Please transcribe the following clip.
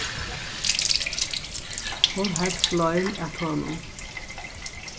hon helt gleim at honum